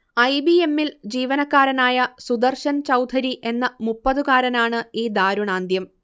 I. B. എ. മ്മി ൽ ജീവനക്കാരനായ സുദർശൻ ചൗധരി എന്ന മുപ്പത്കാരനാണ് ഈ ദാരുണാന്ത്യം